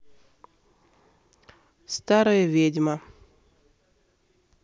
старая ведьма